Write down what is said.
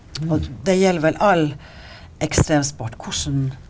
det gjelder vel all ekstremsport hvordan.